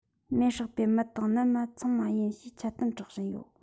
མེར བསྲེགས པའི མི དག ནི སྨད ཚོང མ ཡིན ཞེས འཆལ གཏམ སྒྲོག བཞིན ཡོད